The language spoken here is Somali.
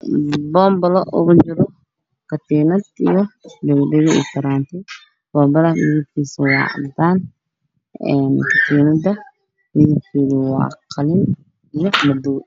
Bobilo kujiro katiinad io dhego io faranti bobilah waa cadan katinada waa qalin io madow